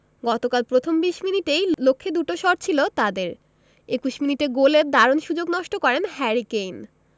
গতকাল প্রথম ২০ মিনিটেই লক্ষ্যে দুটো শট ছিল তাদের ২১ মিনিটে গোলের দারুণ সুযোগ নষ্ট করেন হ্যারি কেইন